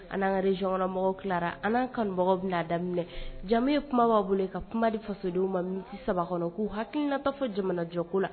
An'an kare z janyɔnna mɔgɔw tilara an'an kanu mɔgɔw bɛna daminɛ jamu ye kuma b'a bolo i ka kuma de fasodenw ma misi saba kɔnɔ k'u hakili nata fɔ jamanajɔko la